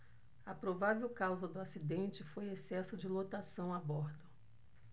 a provável causa do acidente foi excesso de lotação a bordo